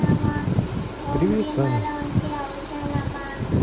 привет саня